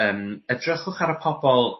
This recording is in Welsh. yym edrychwch ar y pobol